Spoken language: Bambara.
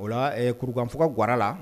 Ola kurukanug ga la